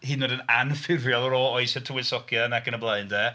Hyd yn oed anffurfiol ar ôl oes y tywysogion ac yn y blaen de.